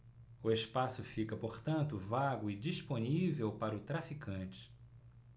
o espaço fica portanto vago e disponível para o traficante